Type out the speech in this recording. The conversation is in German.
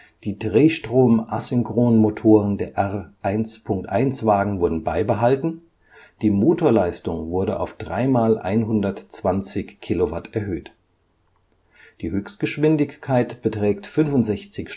Die Drehstrom-Asynchron-Motoren der R 1.1-Wagen wurden beibehalten, die Motorleistung wurde auf 3×120 Kilowatt erhöht. Die Höchstgeschwindigkeit beträgt 65